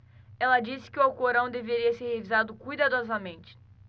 ela disse que o alcorão deveria ser revisado cuidadosamente